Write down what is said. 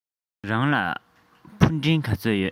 རང ལ ཕུ འདྲེན ག ཚོད ཡོད